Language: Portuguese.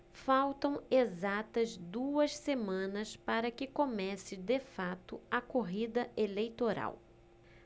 faltam exatas duas semanas para que comece de fato a corrida eleitoral